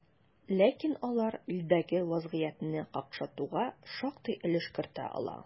Ләкин алар илдәге вазгыятьне какшатуга шактый өлеш кертә ала.